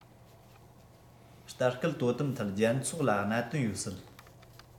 ལྟ སྐུལ དོ དམ ཐད རྒྱལ ཚོགས ལ གནད དོན ཡོད སྲིད